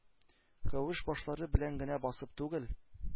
Кәвеш башлары белән генә басып үтеп,